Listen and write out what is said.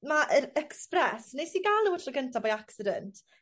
mae yr express nes i ga'l n'w y tro gynta by accident